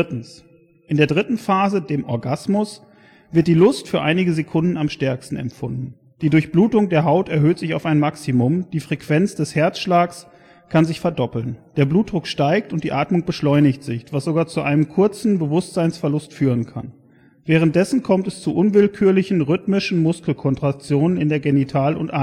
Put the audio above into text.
In der dritten Phase, dem Orgasmus, wird die Lust für einige Sekunden am stärksten empfunden. Die Durchblutung der Haut erhöht sich auf ein Maximum, die Frequenz des Herzschlags kann sich verdoppeln, der Blutdruck steigt und die Atmung beschleunigt sich, was sogar zu einem kurzen Bewusstseinsverlust führen kann. Währenddessen kommt es zu unwillkürlichen, rhythmischen Muskelkontraktionen in der Genital - und Analregion